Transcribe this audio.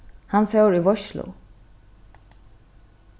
hann fór í veitslu